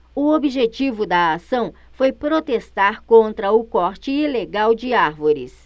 o objetivo da ação foi protestar contra o corte ilegal de árvores